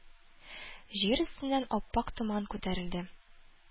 Җир өстеннән ап-ак томан күтәрелде.